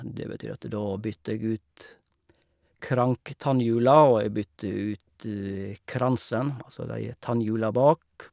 Det betyr at da bytta jeg ut krank-tannhjula, og jeg bytta ut kransen, altså de tannhjula bak.